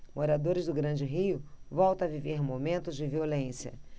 moradores do grande rio voltam a viver momentos de violência